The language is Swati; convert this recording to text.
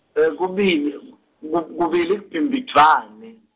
kubili k-, ku- kubili ku Bhimbidvwane.